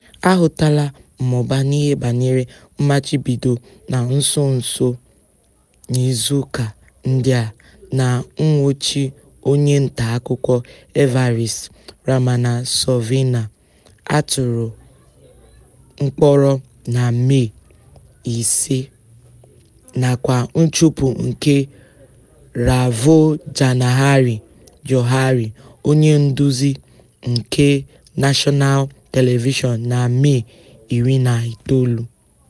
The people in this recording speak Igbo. A hụtala mmụba n'ihe banyere mmachibido na nso nso n'izuụka ndị a, na nnwụchi onye ntaakụkọ Evariste Ramanatsoavina, a tụrụ mkpọrọ na Mee, 5th, nakwa nchụpụ nke Ravoajanahary Johary, onye nduzi nke National Television na Mee 19th.